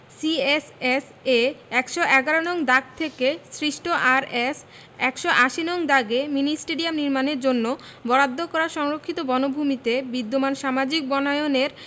C S S A ১১১ নং দাগ থেকে সৃষ্ট আরএস ১৮০ নং দাগে মিনি স্টেডিয়াম নির্মাণের জন্য বরাদ্দ করা সংরক্ষিত বনভূমিতে বিদ্যমান সামাজিক বনায়নের